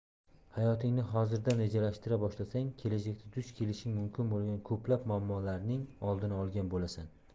hayotingni hozirdan rejalashtira boshlasang kelajakda duch kelishing mumkin bo'lgan ko'plab muammolarning oldini olgan bo'lasan